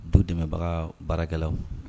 Du dɛmɛbaga baarakɛlaw